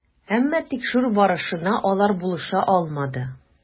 Әмма тикшерү барышына алар булыша алмады.